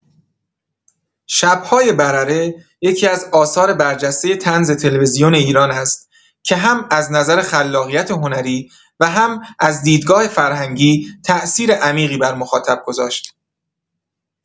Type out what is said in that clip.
شب‌های برره یکی‌از آثار برجسته طنز تلویزیون ایران است که هم از نظر خلاقیت هنری و هم از دیدگاه فرهنگی تاثیر عمیقی بر مخاطب گذاشت.